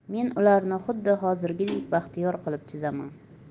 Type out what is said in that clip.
men ularni xuddi hozirgidek baxtiyor qilib chizaman